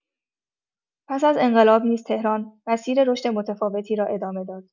پس از انقلاب نیز تهران مسیر رشد متفاوتی را ادامه داد.